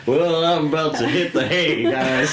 Well, I'm about to hit the hay, guys.